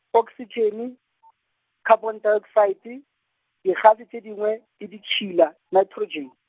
oksitšene , khapontaoksaete, digase tše dingwe, le ditšhila, naetrotšene.